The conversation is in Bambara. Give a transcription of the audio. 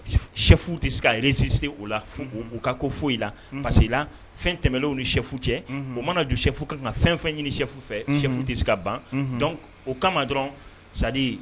Shɛfu tɛ se ka yɛrɛsise o la ka ko foyi la parce que i la fɛn tɛmɛlenw ni shɛfu cɛ o mana don sɛfu ka kan ka fɛn fɛn ɲini shɛfu fɛfu tɛ se ka ban dɔn o kama dɔrɔn sa